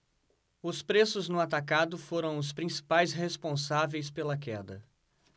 os preços no atacado foram os principais responsáveis pela queda